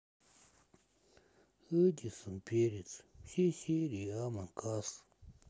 эдисон перец все серии амонг ас